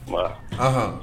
Mara hɔn